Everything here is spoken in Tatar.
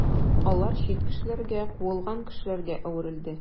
Алар чит кешеләргә, куылган кешеләргә әверелде.